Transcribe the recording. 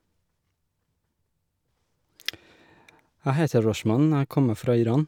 Jeg heter Rozhman, jeg kommer fra Iran.